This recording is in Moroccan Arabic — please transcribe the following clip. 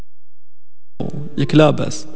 الكلاب